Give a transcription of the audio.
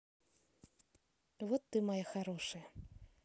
вот ты моя хорошая